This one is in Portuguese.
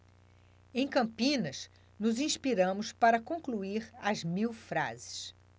em campinas nos inspiramos para concluir as mil frases